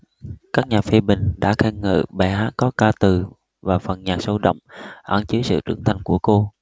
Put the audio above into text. các nhà phê bình đã khen ngợi bài hát có ca từ và phần nhạc sôi động ẩn chứa sự trưởng thành của cô